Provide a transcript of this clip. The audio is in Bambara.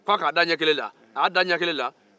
a ko a k'a da a ɲɛ kelen na a y'a da a ɲɛ kelen na